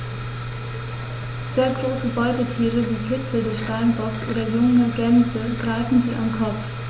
Sehr große Beutetiere wie Kitze des Steinbocks oder junge Gämsen greifen sie am Kopf.